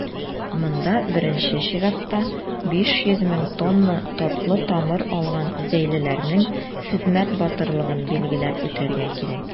Монда, беренче чиратта, 500 мең тонна татлы тамыр алган зәйлеләрнең хезмәт батырлыгын билгеләп үтәргә кирәк.